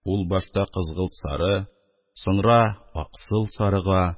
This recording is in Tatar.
Ул башта кызгылт-сары, соңра аксыл-сарыга,